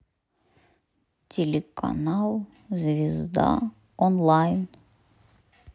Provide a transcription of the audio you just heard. телеканал звезда онлайн